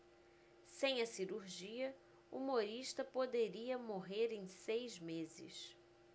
sem a cirurgia humorista poderia morrer em seis meses